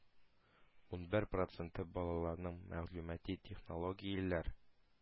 Унбер проценты балаларының мәгълүмати технологияләр,